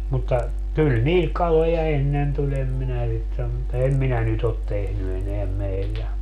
mutta kyllä niihin kaloja ennen tuli en minä sitä sano mutta en minä nyt ole tehnyt enää meillä